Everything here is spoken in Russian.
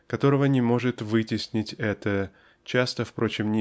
которого не может вытеснить это -- часто впрочем